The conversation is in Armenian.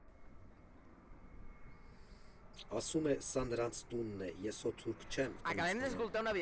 Ասում է՝ սա նրանց տունն է, ես հո թուրք չեմ, տնից հանեմ։